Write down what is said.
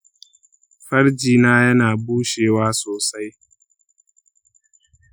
farjina yana bushewa sosai.